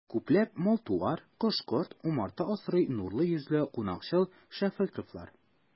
Күпләп мал-туар, кош-корт, умарта асрый нурлы йөзле, кунакчыл шәфыйковлар.